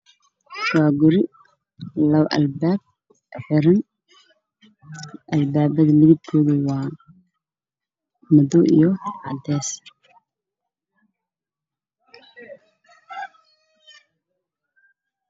Waa guri labo albaab xiran